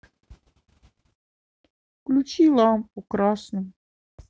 включи лампу красным